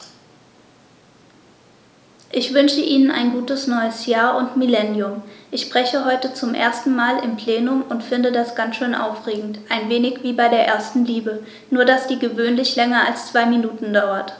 Ich wünsche Ihnen ein gutes neues Jahr und Millennium. Ich spreche heute zum ersten Mal im Plenum und finde das ganz schön aufregend, ein wenig wie bei der ersten Liebe, nur dass die gewöhnlich länger als zwei Minuten dauert.